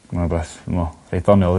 Ma' wbath dwi me'wl reit ddoniol...